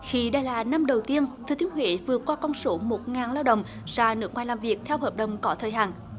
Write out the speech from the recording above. khi đây là năm đầu tiên thừa thiên huế vượt qua con số một ngàn lao động ra nước ngoài làm việc theo hợp đồng có thời hạn